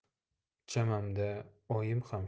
chamamda oyim ham